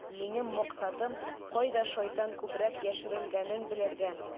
Минем максатым - кайда шайтан күбрәк яшеренгәнен белергә.